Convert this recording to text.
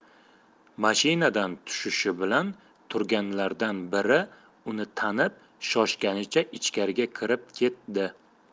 mashinadan tushishi bilan turganlardan biri uni tanib shoshganicha ichkariga kirib ketdi